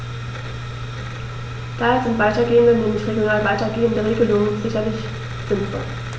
Daher sind weitergehende, nämlich regional weitergehende Regelungen sicherlich sinnvoll.